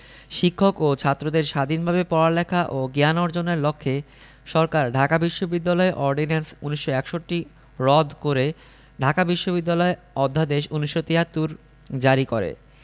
শিক্ষক ও ছাত্রদের স্বাধীনভাবে পড়ালেখা ও জ্ঞান অর্জনের লক্ষ্যে সরকার ঢাকা বিশ্ববিদ্যালয় অর্ডিন্যান্স ১৯৬১ রদ করে ঢাকা বিশ্ববিদ্যালয় অধ্যাদেশ ১৯৭৩ জারি করে